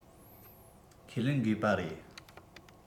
ཁས ལེན འགོས པ རེད